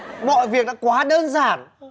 mọi việc đã quá đơn giản